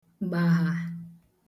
gbàhà